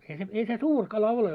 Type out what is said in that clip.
ei se ei se suuri kala ole